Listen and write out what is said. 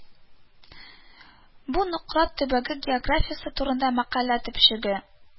Бу Нократ төбәге географиясе турында мәкалә төпчеге